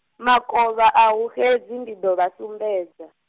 Makovha ahu xedzi ndi ḓo vha sumbedza.